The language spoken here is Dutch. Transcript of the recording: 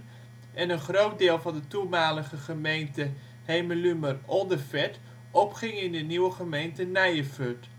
en een groot deel van de toenmalige gemeente Hemelumer Oldeferd opging in de nieuwe gemeente Nijefurd